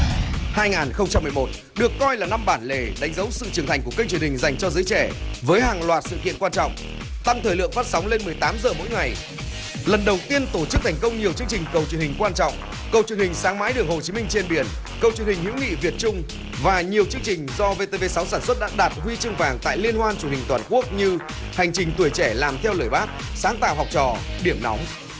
hai ngàn không trăm mười một được coi là năm bản lề đánh dấu sự trưởng thành của kênh truyền hình dành cho giới trẻ với hàng loạt sự kiện quan trọng tăng thời lượng phát sóng lên mười tám giờ mỗi ngày lần đầu tiên tổ chức thành công nhiều chương trình cầu truyền hình quan trọng cầu truyền hình sáng mãi đường hồ chí minh trên biển cầu truyền hình hữu nghị việt trung và nhiều chương trình do vê tê vê sáu sản xuất đã đạt huy chương vàng tại liên hoan truyền hình toàn quốc như hành trình tuổi trẻ làm theo lời bác sáng tạo học trò điểm nóng